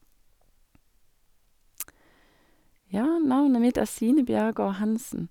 Ja, navnet mitt er Sine Bjerregård Hanssen.